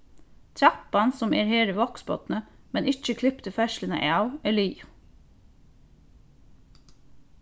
trappan sum er her í vágsbotni men ikki klipti ferðsluna av er liðug